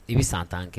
I bɛ san tan kɛ